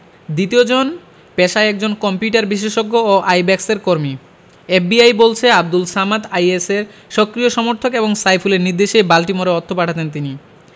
দ্বিতীয়জন পেশায় একজন কম্পিউটার বিশেষজ্ঞ ও আইব্যাকসের কর্মী এফবিআই বলছে আবদুল সামাদ আইএসের সক্রিয় সমর্থক এবং সাইফুলের নির্দেশেই বাল্টিমোরে অর্থ পাঠাতেন তিনি